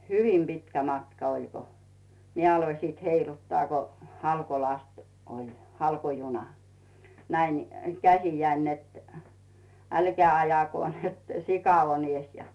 hyvin pitkä matka oli kun minä aloin sitten heiluttaa kun halkolasti oli halkojuna näin - käsiäni että älkää ajako että sika on edessä ja